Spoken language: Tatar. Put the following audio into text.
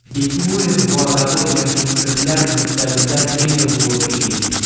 Бикмуллин Буадагы яшүсмерләр мәктәбендә тренер булып эшли.